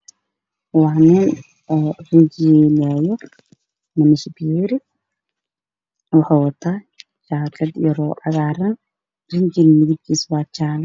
Waa nin oo range ah waxa uu taa jaakad cagaar ah niman cagaar ayaa ka taagan iyo naag wadato xijaabka guduud ah